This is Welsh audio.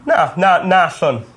Na na na allwn.